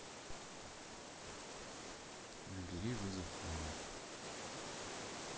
набери вызов мама